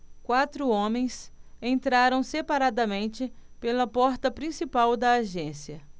quatro homens entraram separadamente pela porta principal da agência